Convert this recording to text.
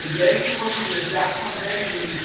beker wordt in de zak van Benjamin